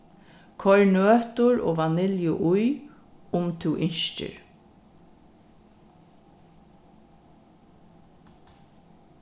koyr nøtir og vanilju í um tú ynskir